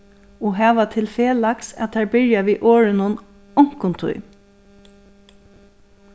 og hava til felags at tær byrja við orðinum onkuntíð